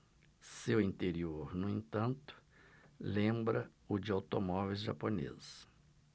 seu interior no entanto lembra o de automóveis japoneses